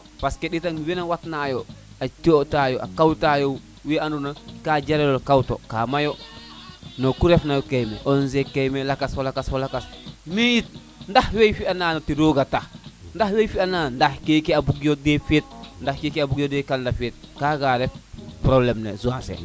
parce ndetan dena wat na yo a cotayo a kaw tayo we andoon na ka jare lo kaw to ka mayo no ku ref na kene ONG kay meen fo lakas fo lakasmi it ndax maxey fiya na to roga tax ndax o fiya na nda keke a bugoge feet ndax keke a bugode kala feet kaga ref probleme leen ne Zancier